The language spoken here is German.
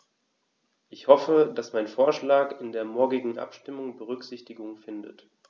Ich hoffe, dass mein Vorschlag in der morgigen Abstimmung Berücksichtigung findet.